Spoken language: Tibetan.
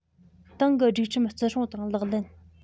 ཏང གི སྒྲིག ཁྲིམས བརྩི སྲུང དང ལག ལེན